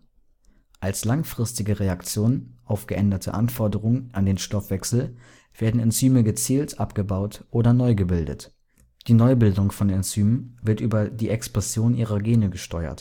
Als langfristige Reaktion auf geänderte Anforderungen an den Stoffwechsel werden Enzyme gezielt abgebaut oder neugebildet. Die Neubildung von Enzymen wird über die Expression ihrer Gene gesteuert. Eine